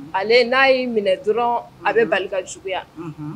Ale n'a y'i minɛ dɔrɔn a bɛ barika juguyaya